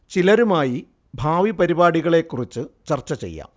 ചിലരുമായി ഭാവി പരിപാടികളെ കുറിച്ച് ചർച്ചചെയ്യാം